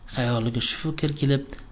xayoliga shu fikr kelib